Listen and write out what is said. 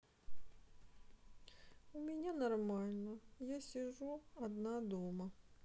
у меня нормально я сижу одна дома